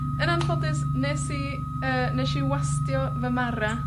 yn anffodus, nes i, yy nesh i wastio fy mara.